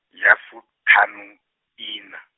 ya fuṱhanuiṋa.